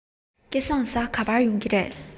སྐལ བཟང རེས གཟའ ག པར ཡོང གི རེད